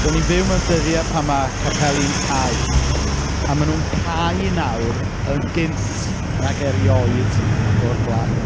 Dan ni'n byw mewn dyddiau pan ma' capeli’n cau, a maen nhw'n cau nawr yn gynt nag erioed o'r blaen.